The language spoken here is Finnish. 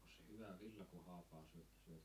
onkos se hyvää villa kun haapaa syö